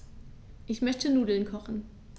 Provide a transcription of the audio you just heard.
Ich möchte Nudeln kochen.